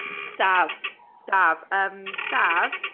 Daf, Daf. Yym, Daf?